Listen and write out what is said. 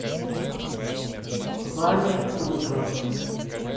ваня ургант